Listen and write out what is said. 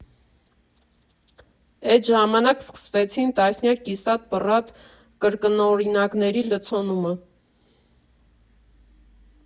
Էդ ժամանակ սկսվեցին տասնյակ կիսատ֊պռատ կրկնօրինակների լցոնումը։